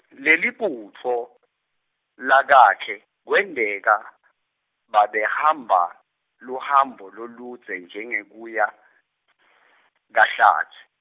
Lelibutfo lakakhe kwenteka, babehamba luhambo loludze njengekuya , kaHlatsi.